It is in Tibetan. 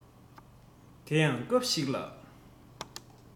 དེ ཡང སྐབས ཤིག ལ